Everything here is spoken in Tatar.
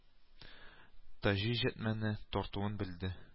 Таҗи җәтмәне тартуын белде